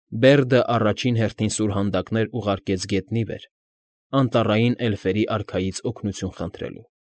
Բերդն առաջին հերթին սուրհանդակներ ուղարկեց գետն ի վեր՝ անտառային էլֆերի արքայից օգնություն խնդրելու։